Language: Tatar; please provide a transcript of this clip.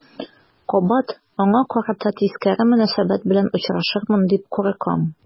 Кабат аңа карата тискәре мөнәсәбәт белән очрашырмын дип куркам.